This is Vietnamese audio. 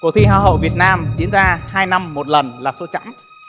cuộc thi hoa hậu việt nam diễn ra hai năm một lần là sỗ chẵn